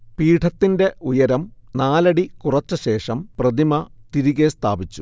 പീഠത്തിന്റെ ഉയരം നാലടി കുറച്ചശേഷം പ്രതിമ തിരികെ സ്ഥാപിച്ചു